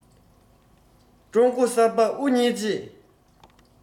ཀྲུང གོ གསར པ དབུ བརྙེས རྗེས